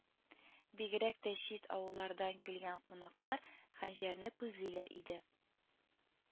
Бигрәк тә чит авыллардан килгән кунаклар Хәнҗәрне күзлиләр иде